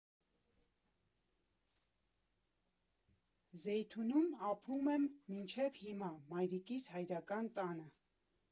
Զեյթունում ապրում եմ մինչև հիմա՝ մայրիկիս հայրական տանը։